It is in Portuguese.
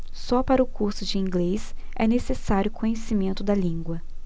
só para o curso de inglês é necessário conhecimento da língua